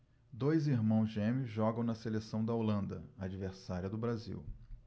dois irmãos gêmeos jogam na seleção da holanda adversária do brasil